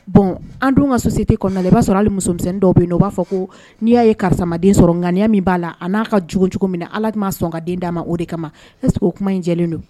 Bon an dun ka société kɔnɔna na i b'a sɔrɔ hali muso misɛnnin dɔw bɛ yen nɔ u b'a fɔ ko n'i y'a ye karisa ma den sɔrɔ ŋaniya min b'a la a n'a ka jugu cogo min na Ala de ma sɔn ka den d'a ma o de kama est ce que o kuma in jɛlen don